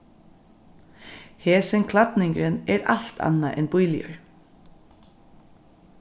hesin klædningurin er alt annað enn bíligur